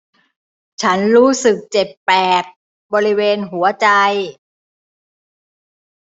ฉันรู้สึกเจ็บแปลบบริเวณหัวใจ